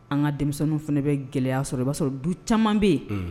An ka denmisɛnnin fana bɛ gɛlɛyaya sɔrɔ i b'a sɔrɔ du caman bɛ yen